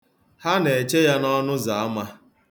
Ha na-eche ya n'ọnụzaama.